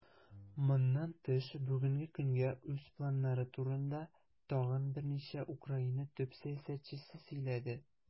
Моннан тыш, бүгенге көнгә үз планнары турында тагын берничә Украина топ-сәясәтчесе сөйләде.